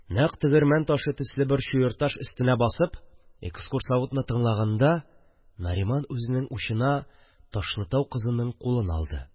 Нәкъ тегермән ташы төсле бер чуерташ өстенә басып экскурсоводны тыңлаганда Нариман үзенең учына Ташлытау кызының кулын алды